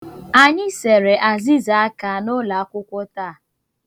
Anyị sere azịzaaka n'ụlọakwụkwọ taa.